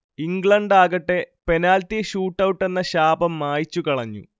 ഇംഗ്ലണ്ടാകട്ടെ penalty ഷൂട്ടൗട്ടെന്ന ശാപം മായ്ച്ചു കളഞ്ഞു